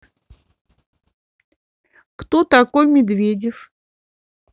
кто такой медведев